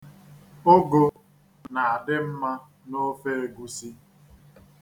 Ụgụ na-adị mma n'ofe egwusi.